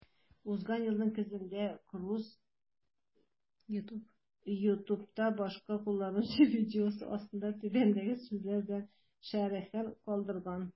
Узган елның көзендә Круз YouTube'та башка кулланучы видеосы астында түбәндәге сүзләр белән шәрехен калдырган: